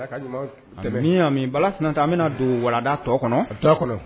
Ala ka ɲuman tɛmɛ! Ami! , ami ! Bala Sininta, an bɛna don walanda tɔ kɔnɔ. An to a kɔnɔ.